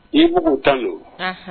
I bugu kan don